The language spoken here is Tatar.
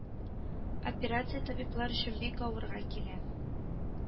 Операция табиблар өчен бик авырга килә